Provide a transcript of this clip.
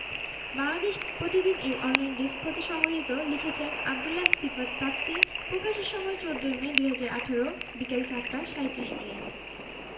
বাংলাদেশ প্রতিদিন এর online desk হতে সংগৃহীত লিখেছেনঃ আব্দুল্লাহ সিফাত তাফসীর প্রকাশের সময় ১৪মে ২০১৮ বিকেল ৪ টা ৩৭ মিনিট